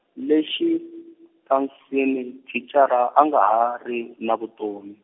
le xitasini thicara a nga ha ri, na vutomi.